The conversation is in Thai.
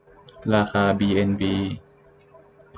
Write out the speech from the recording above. ราคาบีเอ็นบี